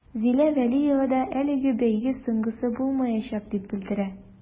Зилә вәлиева да әлеге бәйге соңгысы булмаячак дип белдерә.